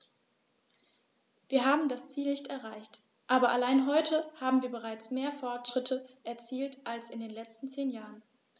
Wir haben das Ziel nicht erreicht, aber allein heute haben wir bereits mehr Fortschritte erzielt als in den letzten zehn Jahren.